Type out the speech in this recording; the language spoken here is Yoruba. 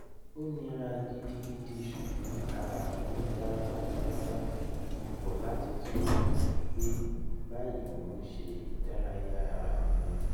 O nira gidi ṣugbọn ara mi da patapata, mo kọ lati tun rin ati pe bayii mo n ṣe idaraya ara mi!